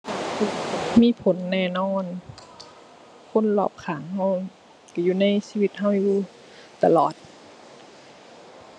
มีผลแน่นอน คนรอบข้างเราเราอยู่ในชีวิตเราอยู่ตลอด